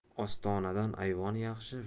ostonadan ayvon yaxshi